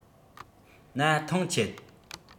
ན ཐང ཆད